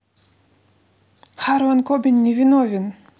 харлан кобен невиновен